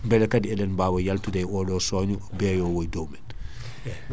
beele kaadi eɗen bawa yaltude e oɗo coño gonɗo e dow men eyyi